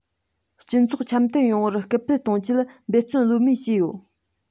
སྤྱི ཚོགས འཆམ མཐུན ཡོང བར སྐུལ སྤེལ གཏོང ཆེད འབད བརྩོན ལྷོད མེད བྱས ཡོད